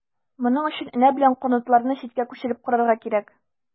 Моның өчен энә белән канатларны читкә күчереп карарга кирәк.